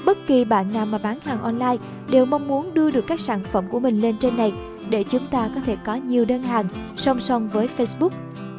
bất kì bạn nào bán hàng online đều mong muốn đưa được các sản phẩm của mình lên trên này để chúng ta có thể có nhiều đơn bán hàng song song với facebook